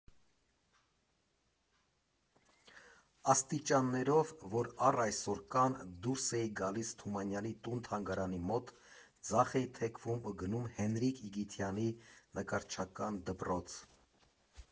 Աստիճաններով, որ առ այսօր կան, դուրս էի գալիս Թումանյանի տուն֊թանգարանի մոտ, ձախ էի թեքվում ու գնում Հենրիկ Իգիթյանի նկարչական դպրոց։